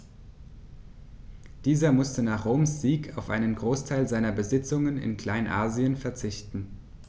Dieser musste nach Roms Sieg auf einen Großteil seiner Besitzungen in Kleinasien verzichten.